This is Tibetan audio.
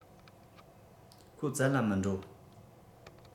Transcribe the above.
ཁོ བཙལ ལ མི འགྲོ